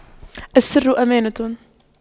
السر أمانة